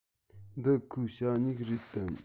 འདི ཁོའི ཞ སྨྱུག རེད དམ